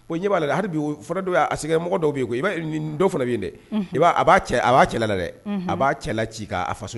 Ko ɲɛ b'a la bi asemɔgɔ dɔw b' yen i don fana bɛ yen dɛa a b'a cɛla la dɛ a b'a cɛla ci kan a faso